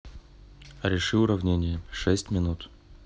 реши уравнение шесть минут